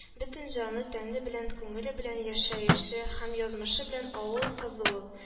Бөтен җаны-тәне белән, күңеле белән, яшәеше һәм язмышы белән авыл кызы ул